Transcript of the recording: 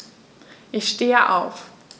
Ich stehe auf.